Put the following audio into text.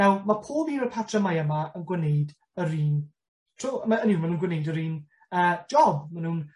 Nawr ma' pob un o'r patrymau yma yn gwneud yr un tro, ma', ynny yw ma' nw'n gwneud yr un yy job ma nw'n